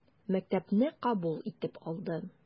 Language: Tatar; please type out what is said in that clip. Мәктәпне кабул итеп алды.